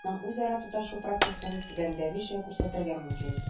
Аларның үзара тоташу процессын түбәндәгечә күрсәтергә мөмкин: